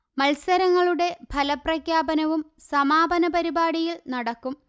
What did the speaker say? മത്സരങ്ങളുടെ ഫല പ്രഖ്യാപനവും സമാപന പരിപാടിയിൽ നടക്കും